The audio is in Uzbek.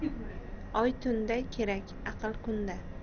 oy tunda kerak aql kunda